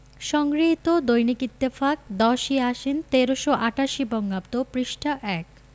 সংগৃহীত দৈনিক ইত্তেফাক ১০ই আশ্বিন ১৩৮৮ বঙ্গাব্দ পৃষ্ঠা ১